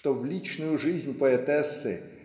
что в личную жизнь поэтессы